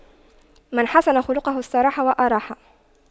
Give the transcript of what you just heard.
من حسن خُلُقُه استراح وأراح